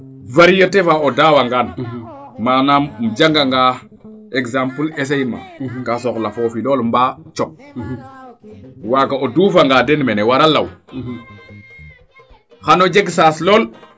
varieté faa o daawa ngaan manaam in janga nga exemple esaie ma kaa soxla foofi lool mbaa cop waaga o duufa nga den mene wara law xano jeg sens lool